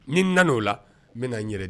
Ni n na no la, n bi na n yɛrɛ